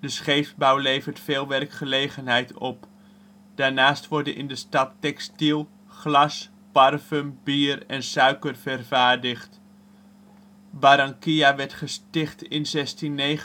scheepsbouw levert veel werkgelegenheid op. Daarnaast worden in de stad textiel, glas, parfum, bier en suiker vervaardigd. Barranquilla werd gesticht in 1629